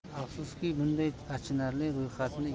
afsuski bunday achinarli ro'yxatni